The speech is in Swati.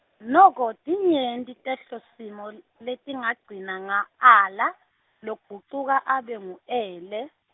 noko, tinyenti tentosimo l-, letingagcina nga ala, logucuka abe ngu ele.